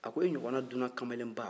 a ko e ɲɔgɔn na dunan kamalenba